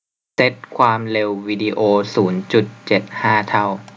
เซ็ตความเร็ววีดีโอศูนย์จุดเจ็ดห้าเท่า